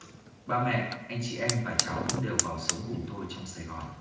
ba mẹ anh chị em và cháu đều vào sống cùng tôi trong sài gòn